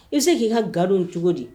I se k'i ka gadon cogo di